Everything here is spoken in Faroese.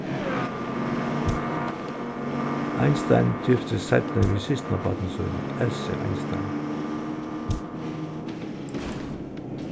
einstein giftist seinni við systkinabarni sínum elsu einstein